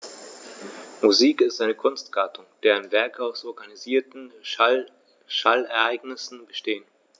Musik ist eine Kunstgattung, deren Werke aus organisierten Schallereignissen bestehen.